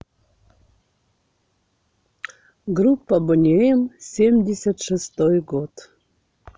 группа boney m семьдесят шестой год